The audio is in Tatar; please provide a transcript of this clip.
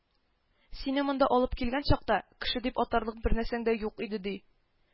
Сине монда алып килгән чакта, кеше дип атарлык бернәрсәң дә юк иде, ди